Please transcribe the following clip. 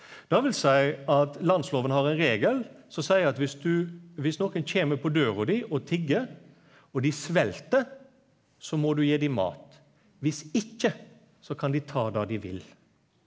dvs. at landsloven har ein regel som seier at viss du viss nokon kjem på døra di og tiggar og dei svelt så må du gje dei mat, viss ikkje så kan dei ta det dei vil.